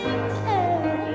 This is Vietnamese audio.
em